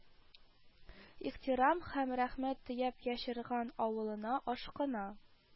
Ихтирам һәм рәхмәт төяп яшерган авылына ашкына